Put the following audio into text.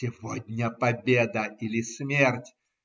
Сегодня победа или смерть.